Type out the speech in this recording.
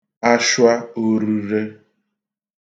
ashwa ōrəre